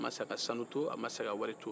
a ma sa ka sanu to a ma sa ka wari to